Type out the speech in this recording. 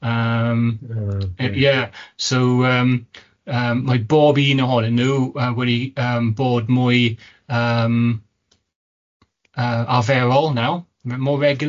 Yym oh yeah so yym yym mae bob un ohonyn nhw yy wedi yym bod mwy yym yy arferol naw m- mae more regular